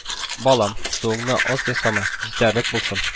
– балам, суыңны аз ясама, җитәрлек булсын